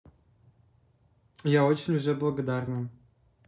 я очень уже благодарна